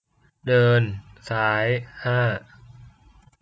เดินซ้ายห้า